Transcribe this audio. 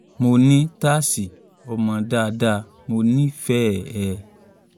Mo ní, “Tashi, ọmọ dáadáa, mo ní ìfẹ ẹ.